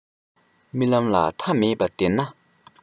རྨི ལམ ལ མཐའ མེད པ བདེན ན